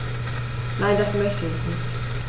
Nein, das möchte ich nicht.